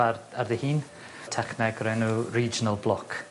...ar ar ddihun. Techneg o'r enw regional block.